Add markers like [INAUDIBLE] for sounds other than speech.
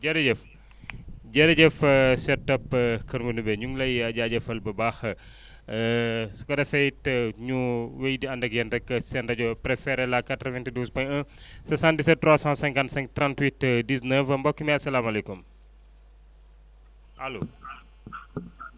jërëjëf jërëjëf [HESITATION] Cheikh Top [HESITATION] K¨r Mandoumbe ñu ngi lay jaajëfal bu baax [BREATH] [HESITATION] su ko defee it ñu wéy di ànd ak yéen rek seen rajo préférée la 92 point 1 [BREATH] 77 355 38 19 mbokk mi asalaamaaleykum allo